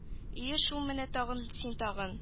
Ие шул менә тагын син тагын